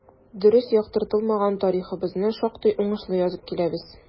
Дөрес яктыртылмаган тарихыбызны шактый уңышлы язып киләбез.